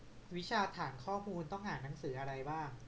วิชาฐานข้อมูลต้องอ่านหนังสืออะไรบ้าง